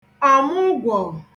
ọ̀mụgwọ̀